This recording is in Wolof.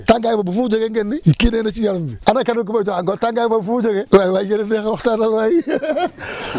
tàngaay boobu fu mu jógee ngeen ni kii nee na ci yaram bi ana keneen ku may jox encore tàngaay boobu fu muy jógee waay waay yéen a neex a waxtaanal waay